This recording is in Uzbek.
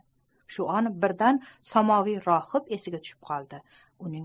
shu on birdan samoviy rohib esiga tushib qoldi uning